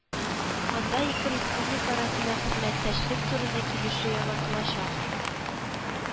Анда ике республика арасында хезмәттәшлек турында килешү яңартылачак